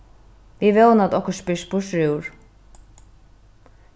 vit vóna at okkurt spyrst burturúr